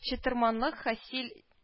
Чытырманлык хасил